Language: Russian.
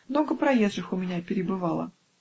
много проезжих у меня перебывало".